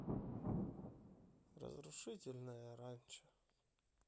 разрушительное ранчо